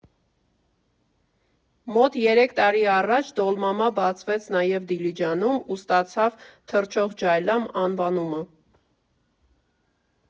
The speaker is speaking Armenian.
Մոտ երեք տարի առաջ «Դոլմամա» բացվեց նաև Դիլիջանում ու ստացավ «Թռչող Ջայլամ» անվանումը։